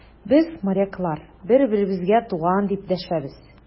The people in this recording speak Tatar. Без, моряклар, бер-беребезгә туган, дип дәшәбез.